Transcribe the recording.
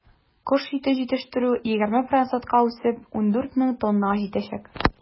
Кош ите җитештерү, 20 процентка үсеп, 14 мең тоннага җитәчәк.